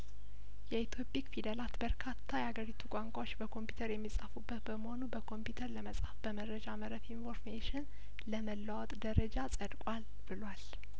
የኢትዮ ፒክ ፊደላት በርካታ ያገሪቱ ቋንቋዎች በኮምፒውተር የሚጻፉበት በመሆኑ በኮምፒተር ለመጻፍና በመረጃ መረብ ኢንፎርሜሽን ለመለዋወጥ ደረጃ ጸድቋል ብሏል